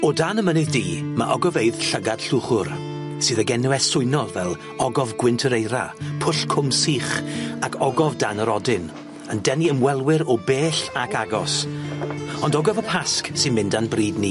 O dan y mynydd du, ma' ogofeydd llygad Llwchwr, sydd ag enwau swynol fel Ogof Gwynt yr eira, Pwll Cwm Sych ac Ogof Dan yr Odyn, yn denu ymwelwyr o bell ac agos, ond Ogof y Pasg sy'n mynd a'n bryd ni.